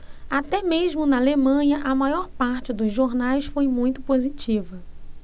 até mesmo na alemanha a maior parte dos jornais foi muito positiva